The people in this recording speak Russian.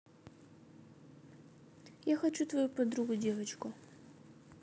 я хочу твою подругу девочку